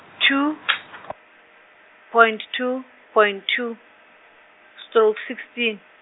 two , point two, point two, stroke sixteen.